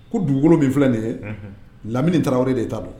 Ko dugukolo min filɛ nin ye lamini tarawele wɛrɛre de t' don